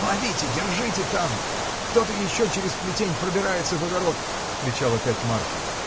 — Ловите, держите там: кто-то еще через плетень пробирается в огород! — кричал опять Марк.